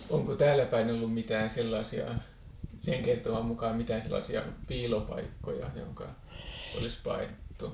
onko täällä päin ollut mitään sellaisia sen kertoman mukaan mitään sellaisia piilopaikkoja johon olisi paettu